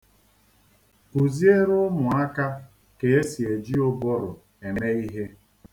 Kuziere ụmụaka ka e si eji ụbụrụ eme ihe.